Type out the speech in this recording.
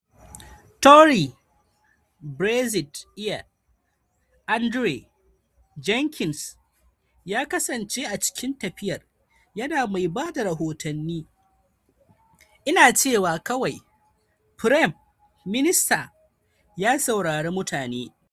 Tory Brexiteer Andrea Jenkyns ya kasance a cikin tafiyar, yana mai ba da rahotanni: ‘Ina cewa kawai: Frem minister ya saurari mutane.